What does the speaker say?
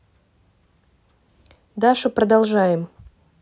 даша продолжаем